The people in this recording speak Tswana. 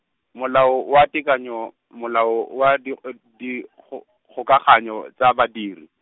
Molao wa Tekanyo, Molao wa Di- Dikgo-, -kgokaganyo tsa Badiri.